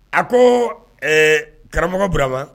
A ko karamɔgɔ bba